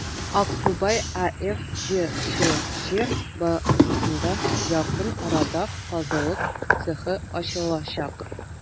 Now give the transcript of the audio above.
«аксубай» аф» җчҗ базасында якын арада казылык цехы ачылачак.